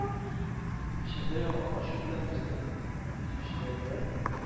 Эчемдә янган ачу белән безне изүчеләргә